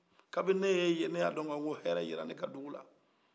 kabini ne ye e ye kaban ne y'a dɔ ko hɛrɛ yera ne ka dugu la